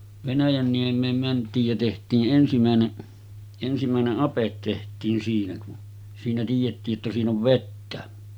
Venäjänniemeen mentiin ja tehtiin ensimmäinen ensimmäinen ape tehtiin siinä kun siinä tiedettiin että siinä on vettä